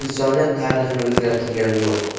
insoniyat tarixini o'zgartirgani yo'q